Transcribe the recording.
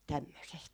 tämmöisestä